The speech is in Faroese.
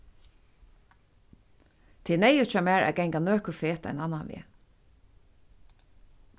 tað er neyðugt hjá mær at ganga nøkur fet ein annan veg